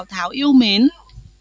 tháo yêu mến